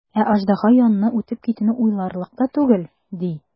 Ә аждаһа яныннан үтеп китүне уйларлык та түгел, ди.